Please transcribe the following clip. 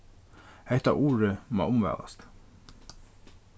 hetta urið má umvælast